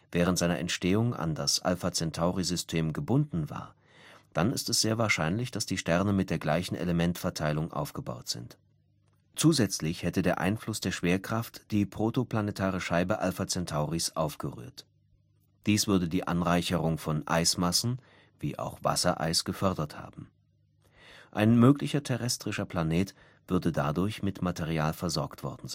während seiner Entstehung an das Alpha-Centauri-System gebunden war, dann ist es sehr wahrscheinlich, dass die Sterne mit der gleichen Elementverteilung aufgebaut sind. Zusätzlich hätte der Einfluss der Schwerkraft die protoplanetare Scheibe Alpha Centauris aufgerührt. Dies würde die Anreicherung von Eismassen (wie auch Wassereis) gefördert haben. Ein möglicher terrestrischer Planet würde dadurch mit dem Material versorgt worden